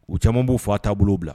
U caman b'u fa taabolo bila